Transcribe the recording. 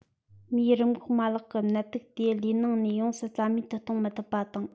མིའི རིམས འགོག མ ལག གིས ནད དུག དེ ལུས ནང ནས ཡོངས སུ རྩ མེད དུ གཏོང མི ཐུབ པ དང